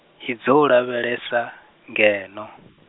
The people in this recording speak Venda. i dzou lavhelesa, ngeno.